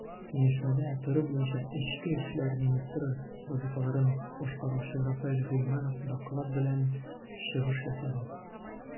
Киңәшмәдә ТР буенча эчке эшләр министры вазыйфаларын башкаручы Рафаэль Гыйльманов доклад белән чыгыш ясады.